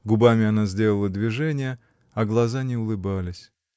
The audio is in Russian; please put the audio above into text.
Губами она сделала движение, а глаза не улыбались.